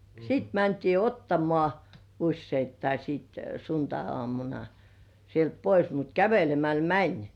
sitten mentiin ottamaan useittain sitten sunnuntaiaamuna sieltä pois mutta kävelemällä meni